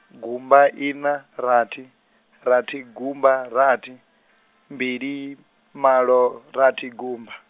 gumba ina, rathi, rathi gumba rathi, mbili, malo rathi, gumba.